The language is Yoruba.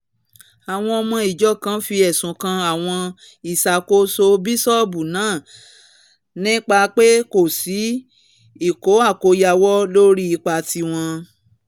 Àwọn ọmọ ìjọ kan fi ẹ̀sùn kàn àwọn ìṣàkóso bisọọbu náa nípa pe kòsí ìkó-àkóyawọ lórí ipa tiwon